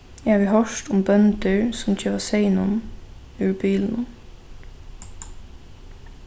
eg havi hoyrt um bøndur sum geva seyðinum úr bilinum